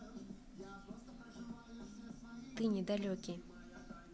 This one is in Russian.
ты недалекий